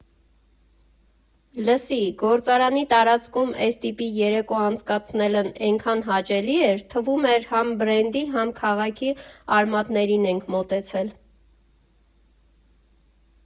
«Լսի, գործարանի տարածքում էս տիպի երեկո անցկացնելն էնքան հաճելի էր, թվում էր՝ համ բրենդի, համ քաղաքի արմատներին ենք մոտեցել։